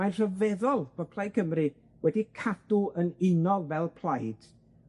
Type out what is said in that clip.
Mae'n rhyfeddol bo' Plaid Cymru wedi cadw yn unol fel plaid